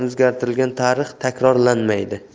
o'zgartirilgan tarix takrorlanmaydi